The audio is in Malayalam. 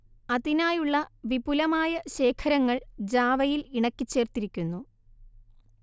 അതിനായുള്ള വിപുലമായ ശേഖരങ്ങൾ ജാവയിൽ ഇണക്കിച്ചേർത്തിരിക്കുന്നു